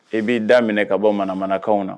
E b'i da minɛ ka bɔ manamanakanw na.